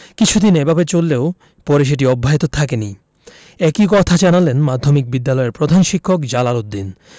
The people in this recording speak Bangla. কিছুদিন এভাবে চললেও পরে সেটি অব্যাহত থাকেনি একই কথা জানালেন মাধ্যমিক বিদ্যালয়ের প্রধান শিক্ষক জালাল উদ্দিন